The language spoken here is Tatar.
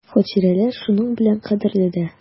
Хатирәләр шуның белән кадерле дә.